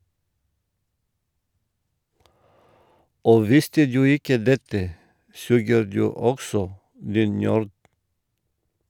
Og visste du ikke dette , suger du også , din nørd!